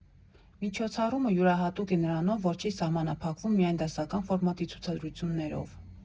Միջոցառումը յուրահատուկ է նրանով, որ չի սահմանափակվում միայն դասական ֆորմատի ցուցադրություններով։